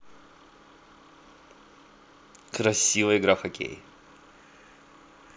красивая игра в хоккей